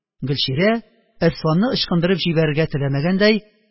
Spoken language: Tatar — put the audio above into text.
Гөлчирә, Әсфанны ычкындырып җибәрергә теләмәгәндәй,